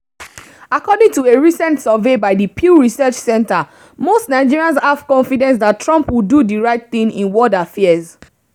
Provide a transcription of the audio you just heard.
According to a recent survey by the Pew Research Centre most Nigerians "have confidence" that Trump "will do the right thing in world affairs".